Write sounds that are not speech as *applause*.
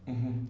*hesitation* *hesitation*